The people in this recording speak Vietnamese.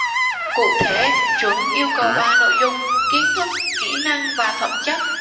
cụ thể chuẩn yêu cầu ba nội dung kiến thức kỹ năng và phẩm chất